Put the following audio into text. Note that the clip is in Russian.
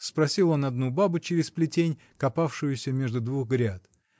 — спросил он одну бабу через плетень, копавшуюся между двух гряд.